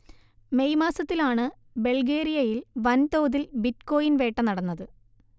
May മാസത്തിലാണ് ബൾഗേറിയയിൽ വൻതോതിൽ ബിറ്റ്കോയിൻ വേട്ട നടന്നത്